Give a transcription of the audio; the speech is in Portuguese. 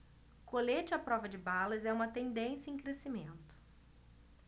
colete à prova de balas é uma tendência em crescimento